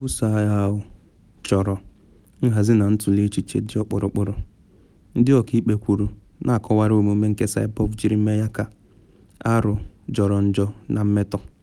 Mbuso agha ahụ chọrọ “nhazi na ntụle echiche dị ọkpụrụkpụ,” ndị ọkaikpe kwuru, na akọwara omume nke Saipov jiri mee ya ka “arụ, jọrọ njọ na mmetọ.”